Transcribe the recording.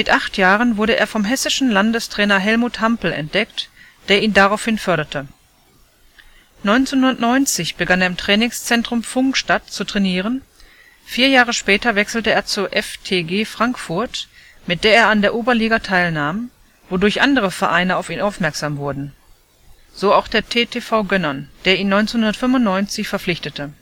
acht Jahren wurde er vom hessischen Landestrainer Helmut Hampl entdeckt, der ihn daraufhin förderte. 1990 begann er im Trainingszentrum Pfungstadt zu trainieren, vier Jahre später wechselte er zur FTG Frankfurt, mit der er an der Oberliga teilnahm, wodurch andere Vereine auf ihn aufmerksam wurden. So auch der TTV Gönnern, der ihn 1995 verpflichtete